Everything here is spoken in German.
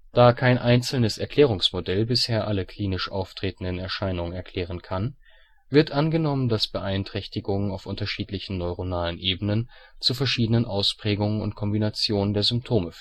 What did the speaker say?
Da kein einzelnes Erklärungsmodell bisher alle klinisch auftretenden Erscheinungen erklären kann, wird angenommen, dass Beeinträchtigungen auf unterschiedlichen neuronalen Ebenen zu verschiedenen Ausprägungen und Kombinationen der Symptome